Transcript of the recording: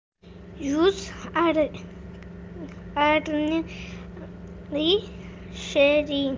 yuz arnri shirin